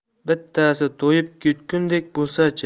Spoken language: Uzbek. bittasi toyib ketgudek bo'lsachi